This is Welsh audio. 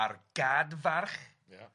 'a'r gad farch'... Ia...